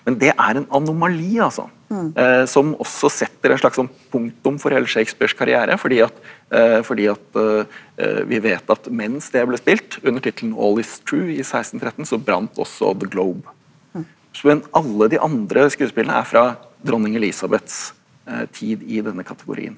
men det er en anomali altså som også setter et slags sånn punktum for hele Shakespeares karriere fordi at fordi at vi vet at mens det ble spilt under tittelen All is True i 1613 så brant også The Globe alle de andre skuespillene er fra dronning Elizabeths tid i denne kategorien.